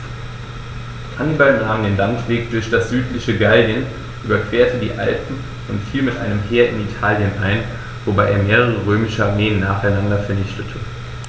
Hannibal nahm den Landweg durch das südliche Gallien, überquerte die Alpen und fiel mit einem Heer in Italien ein, wobei er mehrere römische Armeen nacheinander vernichtete.